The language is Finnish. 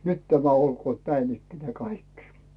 nyt tämä olkoot näin ikään kaikki